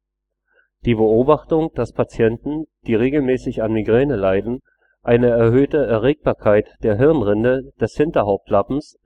Die Beobachtung, dass Patienten, die regelmäßig an Migräne leiden, eine erhöhte Erregbarkeit der Hirnrinde des Hinterhauptslappens